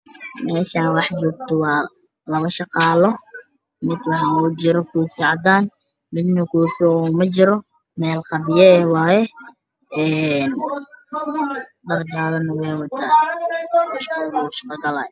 Meeshaan waxaa joogto labo shaqaale mid koofi ayuu wataa midna mawato, meel qabyo ah waaye waxay wataan dhar jaale ah.